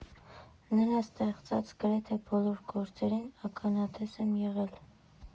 Նրա ստեղծած գրեթե բոլոր գործերին ականատես եմ եղել։